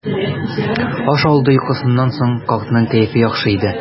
Аш алды йокысыннан соң картның кәефе яхшы иде.